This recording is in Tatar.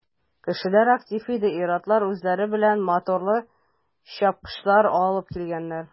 Кешеләр актив иде, ир-атлар үзләре белән моторлы чапкычлар алыпн килгәннәр.